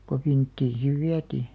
kun vinttiin sitten vietiin